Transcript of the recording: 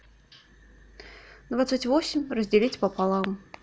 двадцать восемь разделить пополам